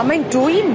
A mae'n dwym.